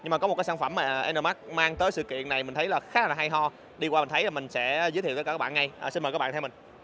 nhưng mà có cái sản phẩm mà enermax mang tới sự kiện này mình thấy khá là hay ho đi qua mình thấy là mình sẽ giới thiệu tới các bạn ngay xin mời các bạn theo mình